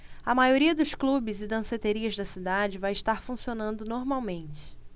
a maioria dos clubes e danceterias da cidade vai estar funcionando normalmente